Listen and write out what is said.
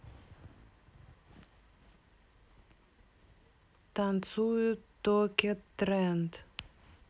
танцуют токе тренд